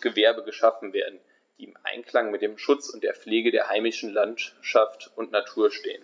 Gewerbe geschaffen werden, die im Einklang mit dem Schutz und der Pflege der heimischen Landschaft und Natur stehen.